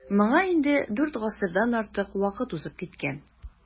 Моңа инде дүрт гасырдан артык вакыт узып киткән.